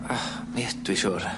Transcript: Ah, mi ydw i siŵr.